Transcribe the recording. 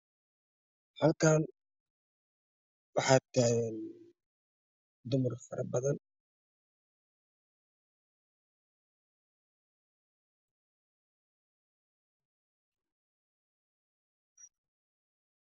Halkaan waxaa taagan dumar faro badan.